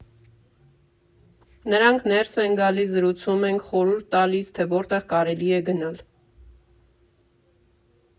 Նրանք ներս են գալիս, զրուցում ենք, խորհուրդ տալիս, թե որտեղ կարելի ա գնալ։